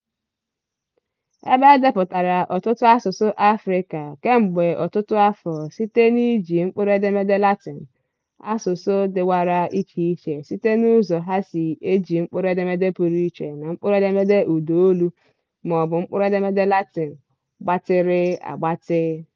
Ebe e depụtara ọtụtụ asụsụ Afrịka kemgbe ọtụtụ afọ site n'iji mkpụrụedemede Latin, asụsụ dịwara icheiche site n’ụzọ ha si eji mkpụrụedemede pụrụ iche na mkpụrụedemede ụdaolu, maọbụ mkpụrụedemede Latin “gbatịrị agbatị”.